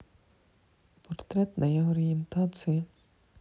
портретная ориентация